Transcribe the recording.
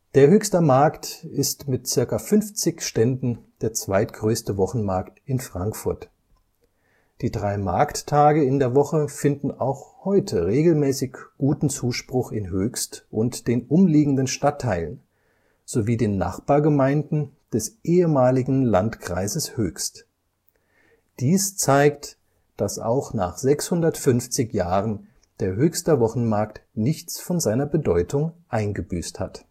Höchster Markt ist mit ca. 50 Ständen der zweitgrößte Wochenmarkt in Frankfurt. Die drei Markttage in der Woche finden auch heute regelmäßig guten Zuspruch in Höchst und den umliegenden Stadtteilen sowie den Nachbargemeinden des ehemaligen Landkreises Höchst. Dies zeigt, dass auch nach 650 Jahren der Höchster Wochenmarkt nichts von seiner Bedeutung eingebüßt hat